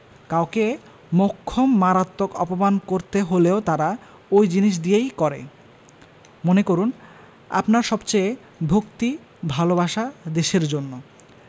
কাউকে মোক্ষম মারাত্মক অপমান করতে হলেও তারা ওই জিনিস দিয়েই করে মনে করুন আপনার সবচেয়ে ভক্তি ভালবাসা দেশের জন্য